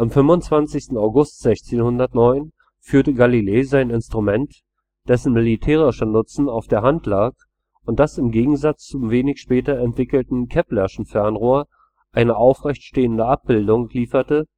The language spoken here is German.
25. August 1609 führte Galilei sein Instrument, dessen militärischer Nutzen auf der Hand lag und das im Gegensatz zum wenig später entwickelten Keplerschen Fernrohr eine aufrecht stehende Abbildung lieferte